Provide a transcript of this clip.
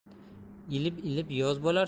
ilib ilib yoz bo'lar